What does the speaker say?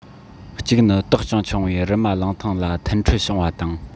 གཅིག ནི དོག ཅིང ཆུང བའི རི མ ཐང ལ མཐུན འཕྲོད བྱུང བ དང